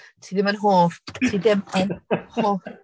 Ti ddim yn hoff, ti ddim yn hoff.